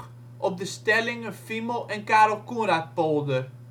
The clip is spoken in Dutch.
stellingen Fiemel en Carel Coenraadpolder